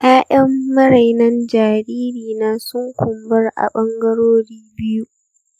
ƴaƴan marainan jaririna suna kumbura a bangarorin biyu.